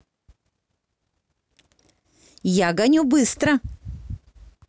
я гоню быстро